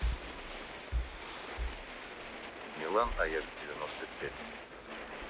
милан аякс девяносто пять